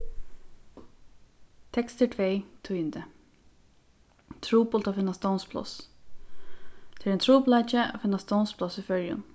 tekstur tvey tíðindi trupult at finna stovnspláss tað er ein trupulleiki at finna stovnspláss í føroyum